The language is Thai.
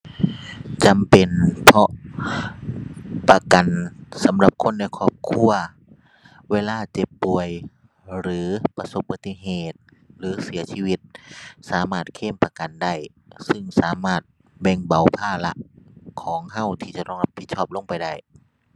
จำเป็น เพราะประกันสำหรับคนในครอบครัวเวลาเจ็บป่วยหรือประสบอุบัติเหตุหรือเสียชีวิต สามารถเคลมประกันได้ ซึ่งสามารถแบ่งเบาภาระของเราที่จะต้องรับผิดชอบลงไปได้